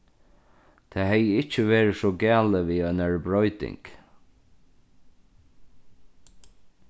tað hevði ikki verið so galið við einari broyting